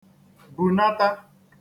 bùnata